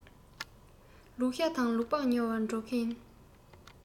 ལུག ཤ དང ལུག ལྤགས ཉོ བར འགྲོ གི ཡིན